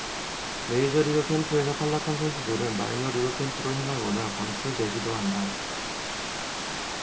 메이저리그 캠프에서 탈락한 선수들은 마이너리그 캠프로 향하거나 방출되기도 한다